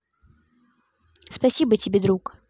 спасибо тебе друг